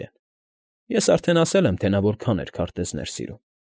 Իրեն։ Ես արդեն ասել եմ, թե նա որքան էր քարտեզներ սիրում։